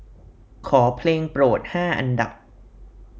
ขอเพลงโปรดห้าอันดับ